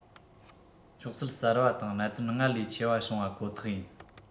འཁྱོག ཚུལ གསར བ དང གནད དོན སྔར ལས ཆེ བ བྱུང བ ཁོ ཐག ཡིན